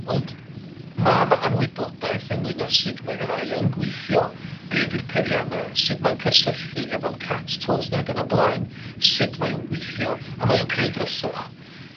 Ond ma' 'na anwybodaeth ynglŷn â sut mae Ay I yn gweithio be' 'di'r peirianna, sut mae'n cysylltu hefo'n cat tools ni ni ag yn y blaen sut mae o'n gweithio, a mae o'n creu dryswch.